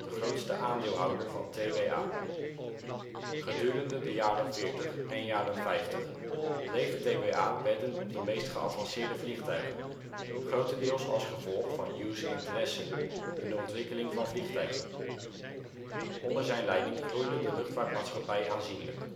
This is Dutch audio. grootste aandeelhouder van TWA. Gedurende de jaren veertig en jaren vijftig bleef TWA wedden op de meest geavanceerde vliegtuigen, grotendeels als gevolg van Hughes ' interesse in de ontwikkeling van vliegtuigen. Onder zijn leiding groeide de luchtvaartmaatschappij aanzienlijk